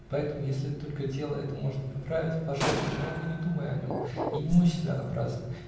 поэтому, если только дело это можно поправить, пожалуйста, много не думай о нем и не мучь себя напрасно.